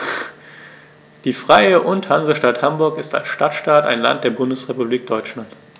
Die Freie und Hansestadt Hamburg ist als Stadtstaat ein Land der Bundesrepublik Deutschland.